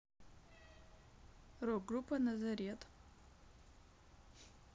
рок группа назарет